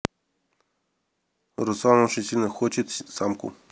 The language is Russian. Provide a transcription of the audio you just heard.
руслан очень сильно хочет самку